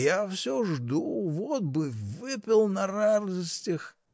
Я всё жду, вот бы выпил на радостях.